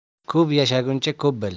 ko'p yashaguncha ko'p bil